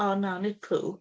O na, nid pŵ?